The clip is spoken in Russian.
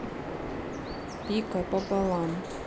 пика пополам